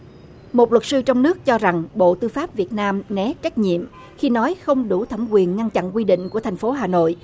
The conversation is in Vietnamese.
một luật sư trong nước cho rằng bộ tư pháp việt nam né trách nhiệm khi nói không đủ thẩm quyền ngăn chặn quy định của thành phố hà nội